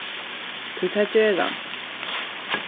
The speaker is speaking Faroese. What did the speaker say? tí tað ger hann